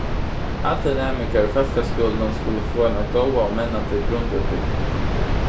allir næmingar í fólkaskúlunum skulu fáa eina góða og mennandi grundútbúgving